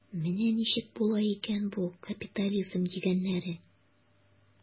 Менә ничек була икән бу капитализм дигәннәре.